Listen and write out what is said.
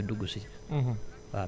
voilà ñu duggu si si